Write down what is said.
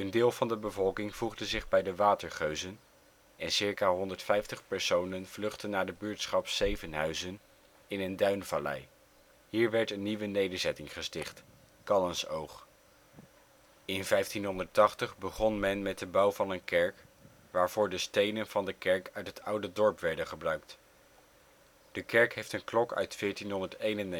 deel van de bevolking voegde zich bij de Watergeuzen, en circa 150 personen vluchtten naar de buurtschap Sevenhuysen in een duinvallei. Hier werd een nieuwe nederzetting gesticht, Callensoog. In 1580 begon men met de bouw van een kerk, waarvoor de stenen van de kerk uit het oude dorp werden gebruikt. De kerk heeft een klok uit 1491. Er